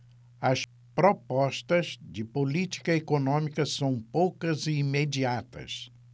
as propostas de política econômica são poucas e imediatas